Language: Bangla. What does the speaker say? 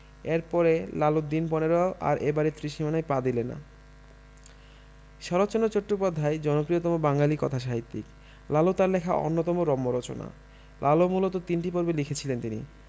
এর পরে লালু দিন পনেরো আর এ বাড়ির ত্রিসীমানায় পা দিলে না শরৎচন্দ্র চট্টোপাধ্যায় জনপ্রিয়তম বাঙালি কথাসাহিত্যিক লালু তার লেখা অন্যতম রম্য রচনা লালু মূলত তিনটি পর্বে লিখেছিলেন তিনি